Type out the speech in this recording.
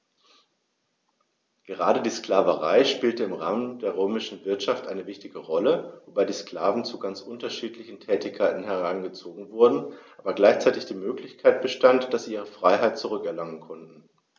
Gerade die Sklaverei spielte im Rahmen der römischen Wirtschaft eine wichtige Rolle, wobei die Sklaven zu ganz unterschiedlichen Tätigkeiten herangezogen wurden, aber gleichzeitig die Möglichkeit bestand, dass sie ihre Freiheit zurück erlangen konnten.